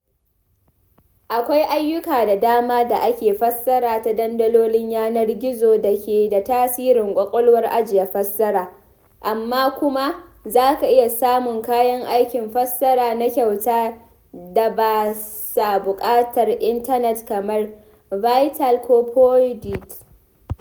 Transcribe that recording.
Akwai ayyuka da dama da ake fassara ta dandalolin yanar gizo da ke da tsarin ƙwaƙwalwar ajiye fassara, amma kuma za ka iya samun kayan aikin fassara na kyauta da ba sa buƙatar intanet kamar Virtaal ko Poedit.